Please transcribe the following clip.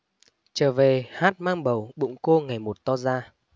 trở về h mang bầu bụng cô ngày một to ra